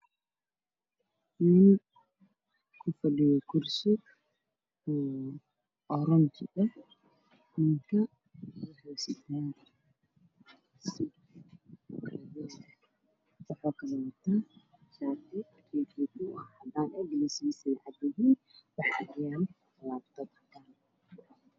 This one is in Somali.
Waa niman waxay ku fadhiyaan kuraas oranji ah ninka usoo horreeya wuxuu wataa soo ah taab ayaa hor yaalla oo cadaan